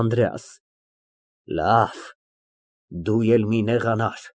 ԱՆԴՐԵԱՍ ֊ Լավ, դու էլ մի նեղանար։